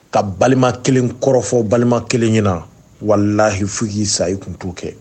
Ka balima kelen kɔrɔfɔ balima kelen ɲɛna, walahi fo k'i sa i tun t'o kɛ